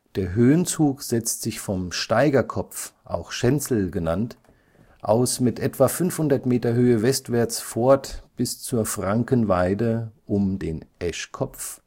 Der Höhenzug setzt sich vom Steigerkopf (auch Schänzel) aus mit etwa 500 m Höhe westwärts fort bis zur Frankenweide um Eschkopf